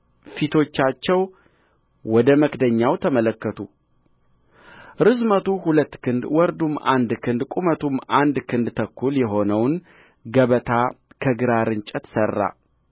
ፊቶቻቸው ወደ መክደኛው ተመለከቱ ርዝመቱ ሁለት ክንድ ወርዱም አንድ ክንድ ቁመቱም አንድ ክንድ ተኩል የሆነውን ገበታ ከግራር እንጨት ሠራ